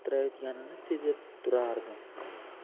titrayotganini sezib turardim